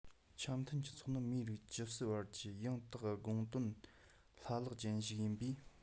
འཆམ མཐུན སྤྱི ཚོགས ནི མིའི རིགས ཇི སྲིད བར གྱི ཡང དག དགོངས དོན བླ ལྷག ཅན ཞིག ཡིན པས